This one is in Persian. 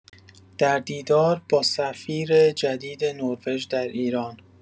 در دیدار با سفیر جدید نروژ در ایران